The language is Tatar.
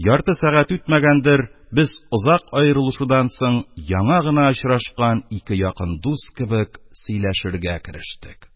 Ярты сәгать үтмәгәндер, без озак аерылышудан соң яңа гына очрашкан ике якын дус кебек сөйләшергә керештек.